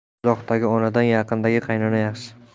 uzoqdagi onadan yaqindagi qaynona yaxshi